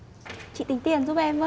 chị tính tiền giúp em với